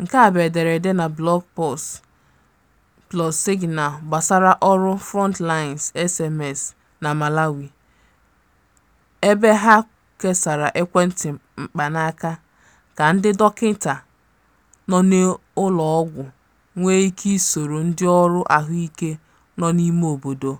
Nke a bụ ederede na blọọgụ Pulse + Signal gbasara ọrụ FrontlineSMS na Malawi, ebe ha kesara ekwentị mkpanaaka ka ndị dọkịta nọ n'ụlọọgwụ nwee ike isoro ndịọrụ ahụike nọ n'imeobodo